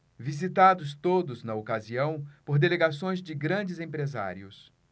visitados todos na ocasião por delegações de grandes empresários